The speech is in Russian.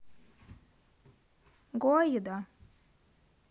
гоа еда